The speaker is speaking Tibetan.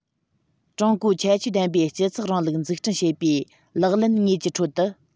ཀྲུང གོའི ཁྱད ཆོས ལྡན པའི སྤྱི ཚོགས རིང ལུགས འཛུགས སྐྲུན བྱེད པའི ལག ལེན དངོས ཀྱི ཁྲོད དུ